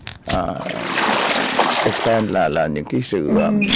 ích sờ tan là là những cái sự